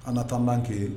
An taake